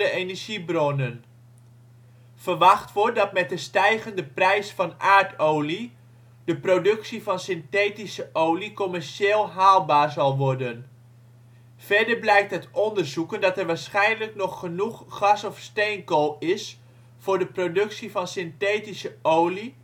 energiebronnen. Verwacht wordt dat met de stijgende prijs van aardolie de productie van synthetische olie commercieel haalbaar zal worden. Verder blijkt uit onderzoeken dat er waarschijnlijk nog genoeg gas of steenkool is voor de productie van synthetische olie